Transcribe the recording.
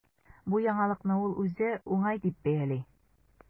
Бу яңалыкны ул үзе уңай дип бәяли.